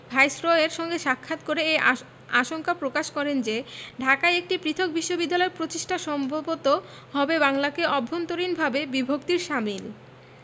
ভাইসরয়ের সঙ্গে সাক্ষাৎ করে এ আশঙ্কা প্রকাশ করেন যে ঢাকায় একটি পৃথক বিশ্ববিদ্যালয় প্রতিষ্ঠা সম্ভবত হবে বাংলাকে অভ্যন্তরীণভাবে বিভক্তির শামিল